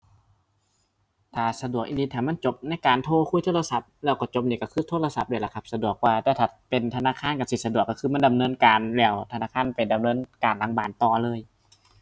ถ้าสะดวกอีหลีถ้ามันจบในการโทรคุยโทรศัพท์แล้วก็จบนี่ก็คือโทรศัพท์นี่ล่ะครับสะดวกกว่า แต่ถ้าเป็นธนาคารก็สิสะดวกก็คือมันดำเนินการแล้วธนาคารไปดำเนินการหลังบ้านต่อเลย